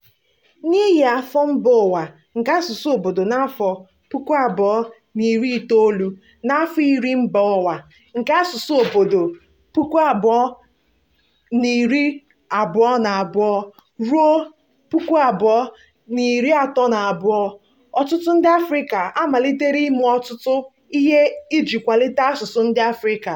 N'ihi afọ mba ụwa nke asụsụ obodo n'afọ 2019 na afọ iri mba ụwa nke asụsụ obodo 2022-2032, ọtụtụ ndị Afrịka amalitela ime ọtụtụ ihe iji kwalite asụsụ ndị Afrịka.